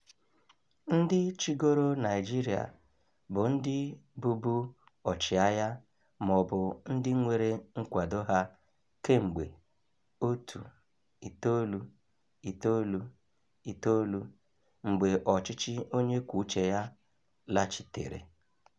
Ndị chịgoro Naịjirịa bụ ndị bụbu ọchịagha ma ọ bụ ndị nwere nkwado ha kemgbe 1999 mgbe ọchịchị onye kwuo uche ya laghachitere.